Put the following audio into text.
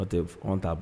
N'o tɛ an t'a b